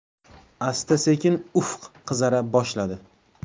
asta sekin ufq qizara boshladi